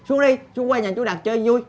xuống đi xuống qua nhà chú đạt chơi vui